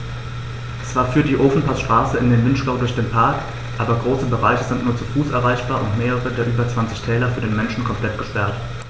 Zwar führt die Ofenpassstraße in den Vinschgau durch den Park, aber große Bereiche sind nur zu Fuß erreichbar und mehrere der über 20 Täler für den Menschen komplett gesperrt.